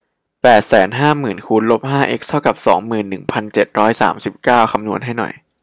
แปดแสนห้าหมื่นคูณลบห้าเอ็กซ์เท่ากับสองหมื่นหนึ่งพันเจ็ดร้อยสามสิบเก้าคำนวณให้หน่อย